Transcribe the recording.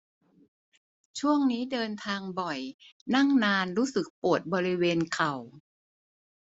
ช่วงนี้เดินทางบ่อยนั่งนานรู้สึกปวดบริเวณเข่า